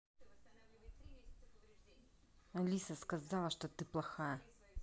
алиса сказала что ты плохая